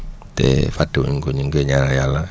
te fàtte wuñ ko ñu ngi koy ñaanal yàlla